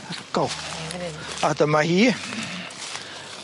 Arygol. Ie fyn 'yn. A dyma hi.